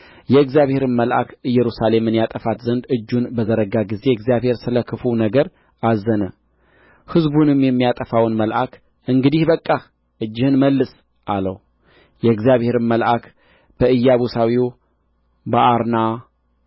የእግዚአብሔርም መልአክ ኢየሩሳሌምን ያጠፋት ዘንድ እጁን በዘረጋ ጊዜ እግዚአብሔር ስለ ክፉው ነገር አዘነ ሕዝቡንም የሚያጠፋውን መልአክ እንግዲህ በቃህ እጅህን መልስ አለው የእግዚአብሔርም መልአክ በኢያቡሳዊው በኦርና